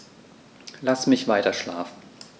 Lass mich weiterschlafen.